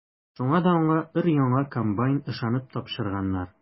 Шуңа да аңа өр-яңа комбайн ышанып тапшырганнар.